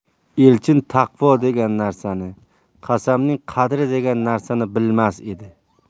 elchin taqvo degan narsani qasamning qadri degan narsani bilmas edi